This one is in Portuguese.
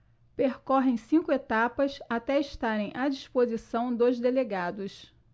percorrem cinco etapas até estarem à disposição dos delegados